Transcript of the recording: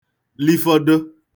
lifọdo